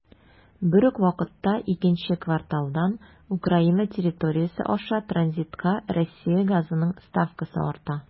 Бер үк вакытта икенче кварталдан Украина территориясе аша транзитка Россия газының ставкасы арта.